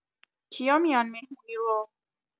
کیا میان مهمونی رو؟